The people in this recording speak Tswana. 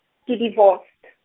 ke divor-.